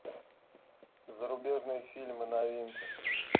зарубежные фильмы новинки